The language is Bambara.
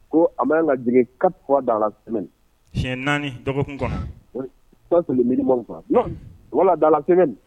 Ko a bɛ ka jigin kafa dala la sɛ tiɲɛ naani kɔnɔ mi wala dala la sɛbɛn